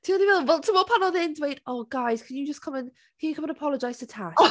Tibod be fi'n meddwl, fel, tibod pan oedd e'n dweud, "Oh guys, can you just come and, can you come and apologise to Tash?"